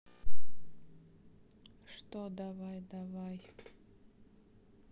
что давай давай